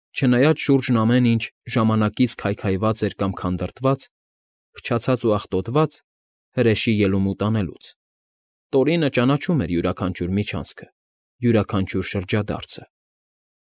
Չնայած շուրջն ամեն ինչ ժամանակից քայքայված էր կամ քանդրտված, փչացած ու աղտոտված՝ հրեշի ելումուտ անելուց, Տորինը ճանաչում էր յուրաքանչյուր միջանցքը, յուրաքանչյուր շրջադարձը։